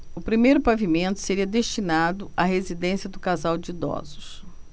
o primeiro pavimento seria destinado à residência do casal de idosos